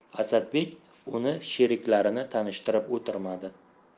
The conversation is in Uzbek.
asadbek uning sheriklarini tanishtirib o'tirmadi